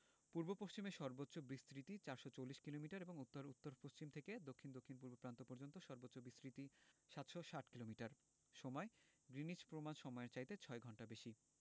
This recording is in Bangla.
পূর্ব পশ্চিমে সর্বোচ্চ বিস্তৃতি ৪৪০ কিলোমিটার এবং উত্তর উত্তর পশ্চিম থেকে দক্ষিণ দক্ষিণপূর্ব প্রান্ত পর্যন্ত সর্বোচ্চ বিস্তৃতি ৭৬০ কিলোমিটার সময়ঃ গ্রীনিচ প্রমাণ সমইয়ের চাইতে ৬ ঘন্টা বেশি